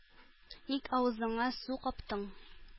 Ник авызыңа су каптың?